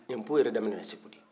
lɛnpo yɛrɛ daminɛna segu de